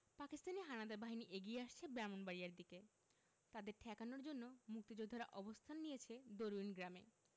পাকিস্তানি হানাদার বাহিনী এগিয়ে আসছে ব্রাহ্মনবাড়িয়ার দিকে তাদের ঠেকানোর জন্য মুক্তিযোদ্ধারা অবস্থান নিয়েছেন দরুইন গ্রামে